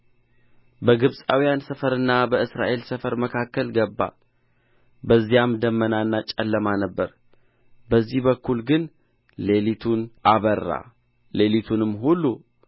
በግብፃውያን ሰፈርና በእስራኤል ሰፈር መካከልም ገባ በዚያም ደመናና ጨለማ ነበረ በዚህ በኩል ግን ሌሊቱን አበራ ሌሊቱንም ሁሉ እርስ